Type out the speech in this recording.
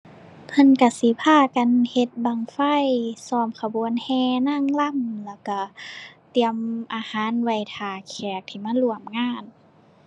เพิ่นก็สิพากันเฮ็ดบั้งไฟ ซ้อมขบวนแห่นางรำ แล้วก็เตรียมอาหารไว้ท่าแขกที่มาร่วมงาน